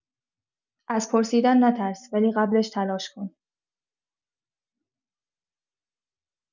از پرسیدن نترس، ولی قبلش تلاش کن.